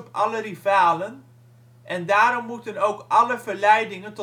alle rivalen en daarom moeten ook alle verleidingen